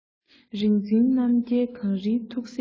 རིག འཛིན རྣམ རྒྱལ གངས རིའི ཐུགས སྲས ཡིན